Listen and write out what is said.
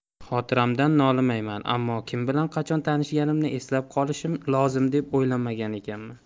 xotiramdan nolimayman ammo kim bilan qachon tanishganimni aniq eslab qolishim lozim deb o'ylamagan ekanman